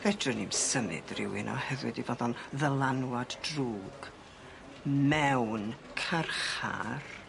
Fedrwn ni'm symud rywun oherwydd 'i fod o'n ddylanwad drwg mewn carchar.